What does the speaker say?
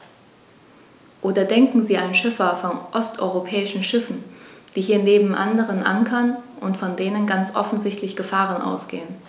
Oder denken Sie an Schiffer von osteuropäischen Schiffen, die hier neben anderen ankern und von denen ganz offensichtlich Gefahren ausgehen.